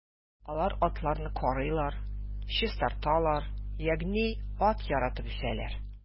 Алар атларны карыйлар, чистарталар, ягъни ат яратып үсәләр.